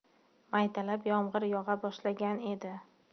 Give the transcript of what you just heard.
maydalab yomg'ir yog'a boshlagan edi